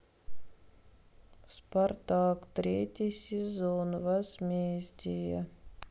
спартак третий сезон возмездие